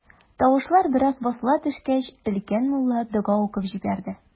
Тавышлар бераз басыла төшкәч, өлкән мулла дога укып җибәрде.